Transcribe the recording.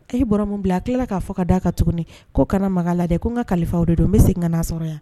E ye bɔra min bila a tilala k'a fɔ ka d da kan tuguni ko kana makanga lajɛ dɛ ko n ka kalifaw de don n bɛ se kaana sɔrɔ yan